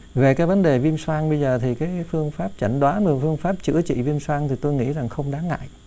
về cái vấn đề viêm xoang bây giờ thì cái phương pháp chẩn đoán và phương pháp chữa trị viêm xoang thì tôi nghĩ rằng không đáng ngại